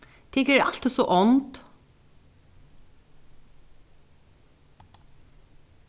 tykur eru altíð so ónd